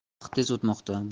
vaqt tez o'tmoqda